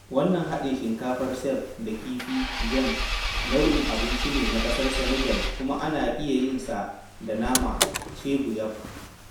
Wannan haɗin shinkafar (ceeb) da kifi (Jenn) nau'in abinci ne na ƙasar Senegal kuma ana iya yin sa da nama (ceebu yapp).